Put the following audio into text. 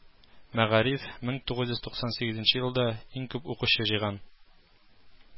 Мәгариф мең тугыз йөз туксан сигезенче елда иң күп укучы җыйган